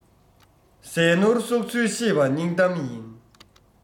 ཟས ནོར གསོག ཚུལ ཤེས པ སྙིང གཏམ ཡིན